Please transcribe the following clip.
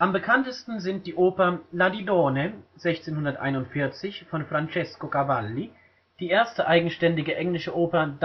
bekanntesten sind die Oper La Didone (1641) von Francesco Cavalli, die erste eigenständige englische Oper